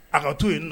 A ka to yen